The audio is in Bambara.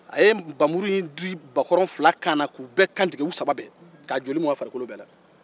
a ye npanmuru in da bakɔrɔn saba bɛɛ kan na k'u bɛɛ kantigɛ k'u joli mun a fari la